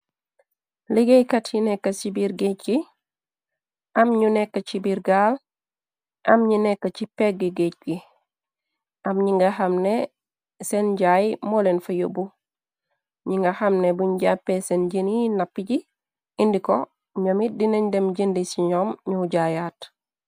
liggéeykat yi nekk ci biir géej gi, am ñu nekk ci biir gaal, am ñi nekk ci pegg géej gi. Am ñi nga xamne sen njaay mooleen fa yóbbu. ñi nga xamne buñ jàppee seen jëni napp ji, indiko, ñomit dinañ dem jëndi ci ñoom ñoow jaayaat.